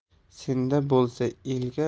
senda bo'lsa elga